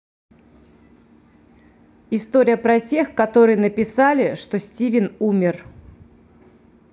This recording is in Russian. история про тех которые написали что стивен умер